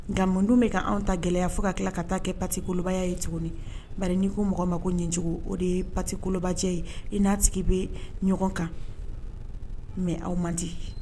Nka mun dun bɛ ka anw ta gɛlɛya fo ka tila ka taa kɛ pakolobayaya ye tuguni bari ko mɔgɔ ma ko ɲɛcogo o de ye pakolobacɛ ye i n'a tigi bɛ ɲɔgɔn kan mɛ aw man di